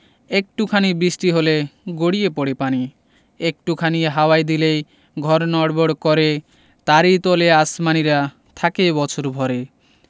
একটু খানি বৃষ্টি হলে গড়িয়ে পড়ে পানি একটু খানি হাওয়াই দিলেই ঘর নড়বড় করে তারি তলে আসমানীরা থাকে বছর ভরে